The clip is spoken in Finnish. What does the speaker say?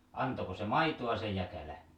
antoiko se maitoa se jäkälä